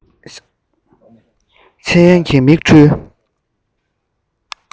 འཆལ ཡན གྱི མིག འཕྲུལ